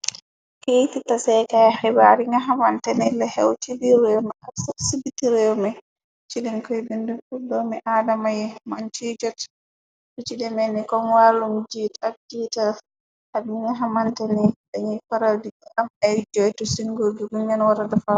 Keeyiti taseekaay xibaar yi nga xamante ni li xew ci biir réew mi ak ax si biti réew mi, ci len koy bind pur doomi aadama yi mëñ ci jot, lu ci deme ni kom wàllum jiit ak jiital ak yi nga xamante ni dañuy faral di i am ay joytu si ngur gi luñ len wara dafal.